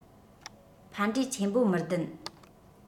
ཕན འབྲས ཆེན པོ མི ལྡན